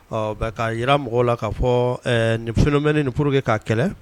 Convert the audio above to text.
Ɔ bɛ k'a yira mɔgɔw la k'a fɔ ɛɛ nin phénomène nin pour que k'a kɛlɛ